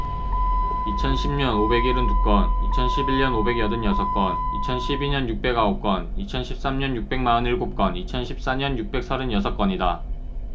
이천 십 년 오백 일흔 두 건 이천 십 일 년 오백 여든 여섯 건 이천 십 이 년 육백 아홉 건 이천 십 삼 년 육백 마흔 일곱 건 이천 십 사 년 육백 서른 여섯 건이다